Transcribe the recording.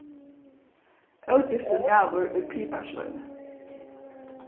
ógiftur maður er piparsveinur